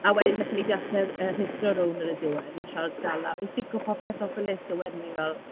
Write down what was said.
A wedyn wnaethon ni dechrau r-, yy, rhuthro rownd ar y diwedd i trio dala... i tico popeth off y list a wedyn o'n i fel...